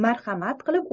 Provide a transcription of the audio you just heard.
marhamat qilib